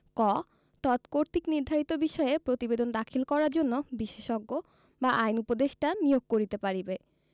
ক তৎকর্তৃক নির্ধারিত বিষয়ে প্রতিবেদন দাখিল করার জন্য বিশেষজ্ঞ বা আইন উপদেষ্টা নিয়োগ করিতে পারিবে